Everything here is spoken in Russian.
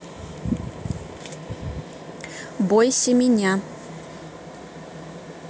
бойся меня